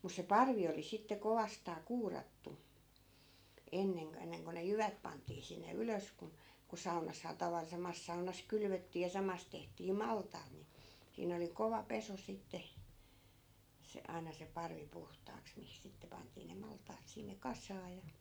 mutta se parvi oli sitten kovastaan kuurattu ennen - ennen kuin ne jyvät pantiin sinne ylös kun kun saunassahan - samassa saunassa kylvettiin ja samassa tehtiin maltaat niin siinä oli kova pesu sitten se aina se parvi puhtaaksi mihin sitten pantiin ne maltaat sinne kasaan ja